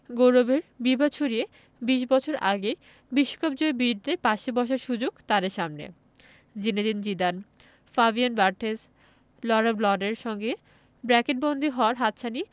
গৌরবের বিভা ছড়িয়ে ২০ বছর আগের বিশ্বকাপজয়ী বীরদের পাশে বসার সুযোগ তাদের সামনে জিনেদিন জিদান ফাবিয়ান বার্থেজ লঁরা ব্লদের সঙ্গে ব্র্যাকেটবন্দি হওয়ার হাতছানি